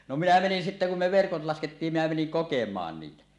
no minä menin sitten kun me verkot laskettiin minä menin kokemaan niitä